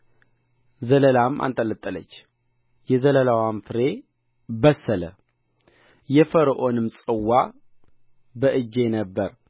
ዘለላም አንጠለጠለች የዘለላዋም ፍሬ በሰለ የፈርዖንም ጽዋ በእጄ ነበረ